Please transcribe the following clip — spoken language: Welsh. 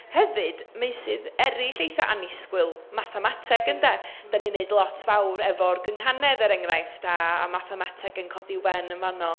Hefyd, meysydd eraill eitha annisgwyl, mathemateg ynde. Dan ni'n wneud lot fawr efo'r gynghanedd, er enghraifft, a a mathemateg yn codi i'w ben yn fanno.